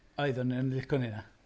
Oedd o'n o'n lico ni hynna.